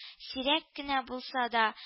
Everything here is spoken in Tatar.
Сирәк кенә булса да